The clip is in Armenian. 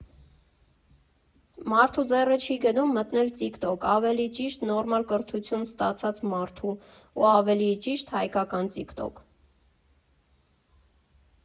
Մարդու ձեռը չի գնում մտնել Տիկ֊Տոկ, ավելի ճիշտ՝ նորմալ կրթություն ստացած մարդու ու ավելի ճիշտ՝ հայկական տիկ֊տոկ։